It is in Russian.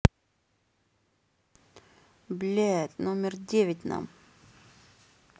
блядь номер девять нам